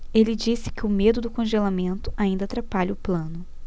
ele disse que o medo do congelamento ainda atrapalha o plano